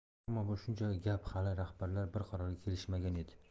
ammo bu shunchaki gap hali rahbarlar bir qarorga kelishmagan edi